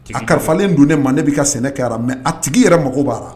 A kalifalen dun ne manden bɛ ka sɛnɛ kɛ mɛ a tigi yɛrɛ mago b'a la